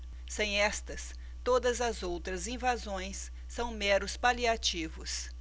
sem estas todas as outras invasões são meros paliativos